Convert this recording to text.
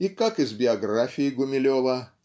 и как из биографии Гумилева